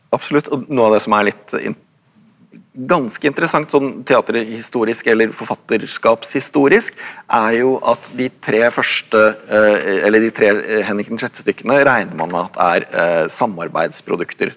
absolutt og noe av det som er litt ganske interessant sånn teaterhistorisk eller forfatterskapshistorisk er jo at de tre første eller de tre Henrik den sjette-stykkene regner man med at er samarbeidsprodukter.